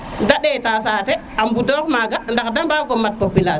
de ɗeta sate a mbudoox maga ndax de mbago mat population fe